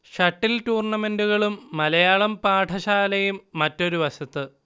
shuttle ടൂർണമെന്റുകളും മലയാളം പാഠശാലയും മറ്റൊരു വശത്ത്